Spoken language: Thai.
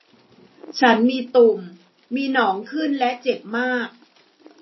ฉันมีตุ่มมีหนองขึ้นและเจ็บมาก